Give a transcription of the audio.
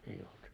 ei ollut